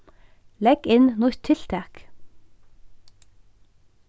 legg inn nýtt tiltak